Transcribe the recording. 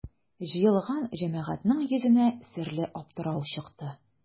Җыелган җәмәгатьнең йөзенә серле аптырау чыкты.